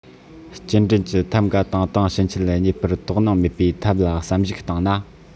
སྐྱེལ འདྲེན གྱི ཐབས འགའ དང དེང ཕྱིན ཆད རྙེད པར དོགས སྣང མེད པའི ཐབས ལ བསམ གཞིག བཏང ན